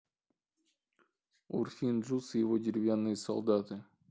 урфин джюс и его деревянные солдаты